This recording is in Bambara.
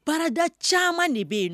Baarada caman de bɛ yen